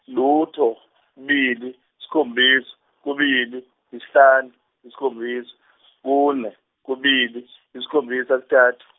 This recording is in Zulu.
lutho kubili isikhombisa kubili isihlanu isikhombisa kune kubili isikhombisa kuthathu.